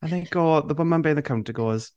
And they go... the woman behind the counter goes...